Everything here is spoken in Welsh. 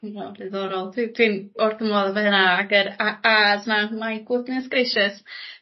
Diddo- diddorol dwi dwi'n wrth fy modd efo hynna ag yr a a's 'ma my goodness gracious